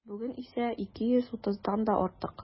Бүген исә 230-дан да артык.